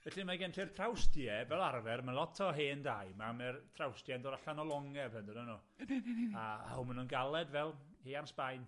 Felly mae gen ti'r trawstie, fel arfer, ma' lot o hen dai, 'ma mae'r trawstie'n dod allan o longe fel dydyn nw, a o maen nhw'n galed fel, hearn Sbaen.